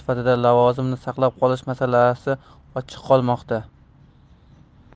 sifatida lavozimni saqlab qolish masalasi ochiq qolmoqda